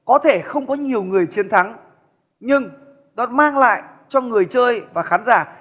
có thể không có nhiều người chiến thắng nhưng nó mang lại cho người chơi và khán giả